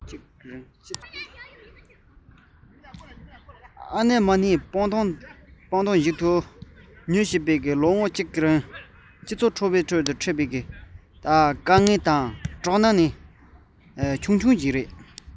ཨ ན མ ནའི སྤང ཐང ཞིག ཏུ ཉུལ བཞིན འདུག ལོ ངོ གཅིག རིང གི སྤྱི ཚོགས འཚོ བའི ཁྲོད འཕྲད པའི དཀའ སྡུག དང བསྡུར ན སྐྲག སྣང དེ ནི ཉམ ཆུང བ ཞིག རེད